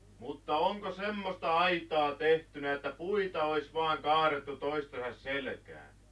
mutta onko semmoista aitaa tehtynä että puita olisi vain kaadettu toistensa selkään